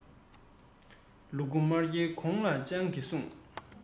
ལུ གུ མ འཁྱེར གོང ལ སྤྱང ཀི སྲུངས